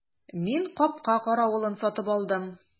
Мин капка каравылын сатып алдым.